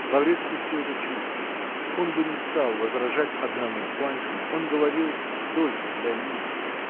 Лаврецкий все это чувствовал: он бы не стал возражать одному Паншину он говорил только для Лизы.